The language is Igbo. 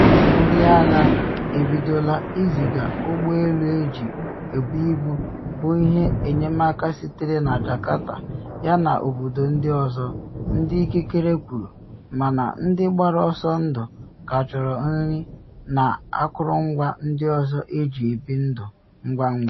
Ndị agha ebidola iziga ụgbọ elu eji ebu ibu bu ihe enyemaka sitere na Jakarta yana obodo ndị ọzọ, ndị ikikere kwuru, mana ndị gbara ọsọ ndụ ka chọrọ nri na akụrụngwa ndị ọzọ eji ebi ndụ ngwangwa.